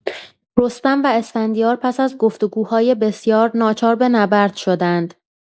رستم و اسفندیار پس از گفتگوهای بسیار، ناچار به نبرد شدند.